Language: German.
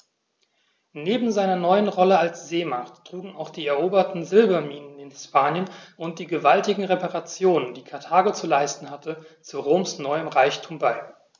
Neben seiner neuen Rolle als Seemacht trugen auch die eroberten Silberminen in Hispanien und die gewaltigen Reparationen, die Karthago zu leisten hatte, zu Roms neuem Reichtum bei.